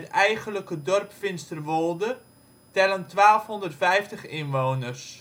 eigenlijke dorp Finsterwolde) tellen 1250 inwoners